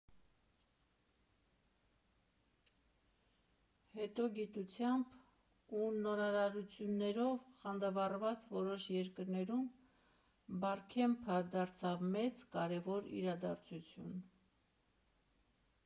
Հետո գիտությամբ ու նորարարություններով խանդավառված՝ որոշ երկրներում Բարքեմփը դարձավ մեծ, կարևոր իրադարձություն։